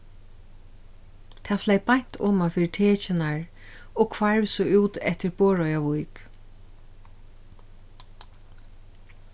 tað fleyg beint oman fyri tekjurnar og hvarv so út eftir borðoyavík